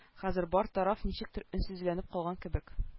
Хәзер бар тараф ничектер өнсезләнеп калган кебек